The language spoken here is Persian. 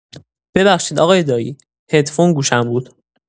ببخشید آقای دایی، هدفون گوشم بود.